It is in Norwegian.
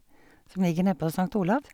Som ligger nede på Sankt Olav.